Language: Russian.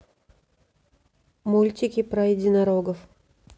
мультики про единорогов